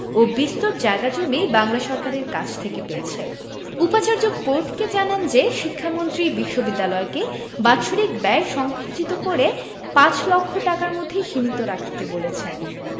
ও বিস্তর জায়গা জমি বাংলা সরকারের কাছ থেকে পেয়েছে উপাচার্য কোর্টকে জানান যে শিক্ষামন্ত্রী বিশ্ববিদ্যালয়কে বাৎসরিক ব্যয় সংকুচিত করে পাঁচ লক্ষ টাকার মধ্যে সীমিত রাখতে বলেছেন